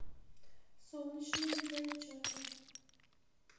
солнечные зайчата